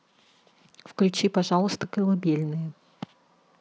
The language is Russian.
включи пожалуйста колыбельные